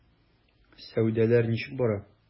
Сәүдәләр ничек бара?